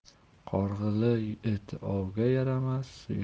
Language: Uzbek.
qorg'ili it ovga yaramas